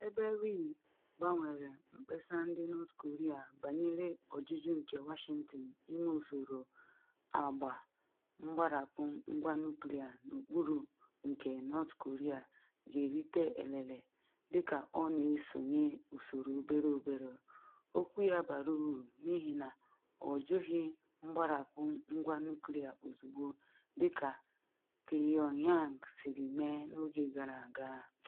Ebe Ri gbanwere mkpesa ndị North Korea banyere ọjụjụ nke Washington ime usoro “agba” mgbarapụ ngwa nuklịa n’okpuru nke North Korea ga-erite elele dịka ọ na-esonye usoro obere obere, okwu ya bara uru n’ihi na ọ jụghị mgbarapụ ngwa nuklliya ozugbo dịka Pyongyang siri mee n’oge gara aga.